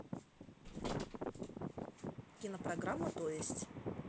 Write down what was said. кинопрограмма то есть